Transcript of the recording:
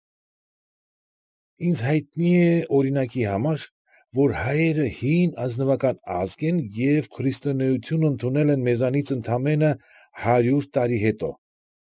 Ինձ հայտնի է, օրինակի համար, որ հայերը հին ազնվական ազգ են և քրիստոնեություն ընդունել են մեզնանից հարյուր տարի հետո։